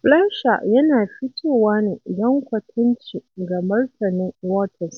Fleischer yana fitowa ne don kwatanci ga martanin Waters